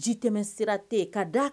Ji tɛmɛn sira tɛ ye ka d'a